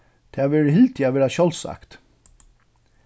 tað verður hildið at vera sjálvsagt